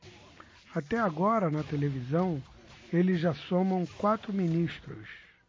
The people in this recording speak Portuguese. até agora na televisão eles já somam quatro ministros